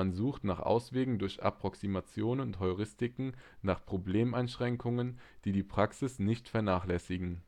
sucht nach Auswegen durch Approximationen und Heuristiken, nach Problemeinschränkungen, die die Praxis nicht vernachlässigen